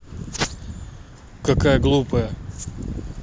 какая глупая